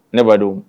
Ne ba don